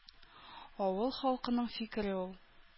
Авыл халкының фикере ул.